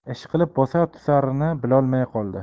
ishqilib bosar tusarini bilolmay qoldi